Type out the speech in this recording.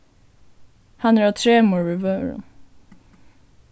hann er á tremur við vørum